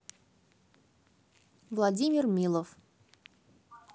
владимир милов